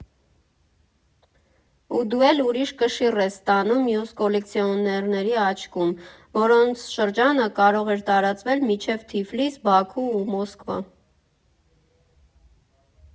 Ու դու էլ ուրիշ կշիռ ես ստանում մյուս կոլեկցիոներների աչքում, որոնց շրջանը կարող էր տարածվել մինչև Թիֆլիս, Բաքու ու Մոսկվա։